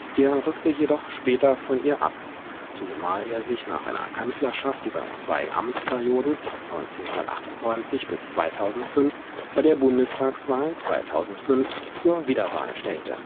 Er rückte jedoch später von ihr ab, zumal er sich nach einer Kanzlerschaft über zwei Amtsperioden (1998 – 2005) bei der Bundestagswahl 2005 zur Wiederwahl stellte